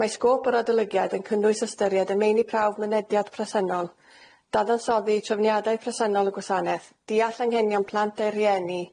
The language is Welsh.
Mae sgôp yr adolygiad yn cynnwys ystyried y meini prawf mynediad presennol, dadansoddi trefniadau presennol y gwasaneth, diall anghenion plant a'u rhieni,